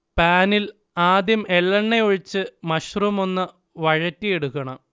പാനിൽ ആദ്യം എള്ളെണ്ണ ഒഴിച്ച് മഷ്റൂം ഒന്ന് വഴറ്റിയെടുക്കണം